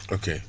ok